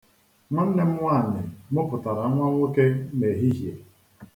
Nwanne m nwaanyị mụpụtara nwa nwoke n'ehihe.